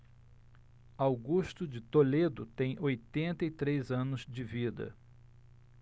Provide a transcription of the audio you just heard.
augusto de toledo tem oitenta e três anos de vida